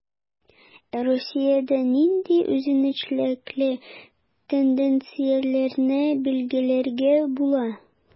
Ә Россиядә нинди үзенчәлекле тенденцияләрне билгеләргә була?